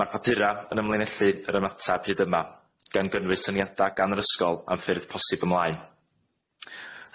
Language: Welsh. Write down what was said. Ma'r papura yn amlinellu yr ymateb hyd yma gan gynnwys syniada gan yr ysgol am ffyrdd posib ymlaen.